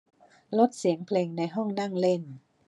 ลดเสียงเพลงในห้องนั่งเล่น